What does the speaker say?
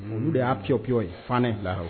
Olu de y' pwu pyo ye fan in laha